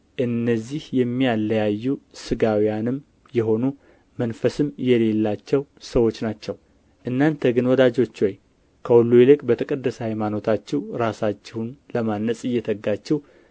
እነዚህ የሚያለያዩ ሥጋውያንም የሆኑ መንፈስም የሌላቸው ሰዎች ናቸው እናንተ ግን ወዳጆች ሆይ ከሁሉ ይልቅ በተቀደሰ ሃይማኖታችሁ ራሳችሁን ለማነጽ እየተጋችሁ